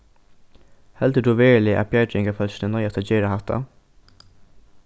heldur tú veruliga at bjargingarfólkini noyðast at gera hatta